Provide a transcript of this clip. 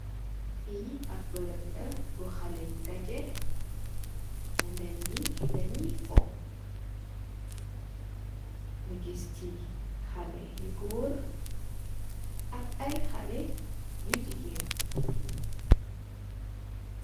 Fii ap barab la bu xalèh yi dajjeh mu melni dañee foh. Ñu gis ci xalèh yu gór ak ay xalèh yu gigeen.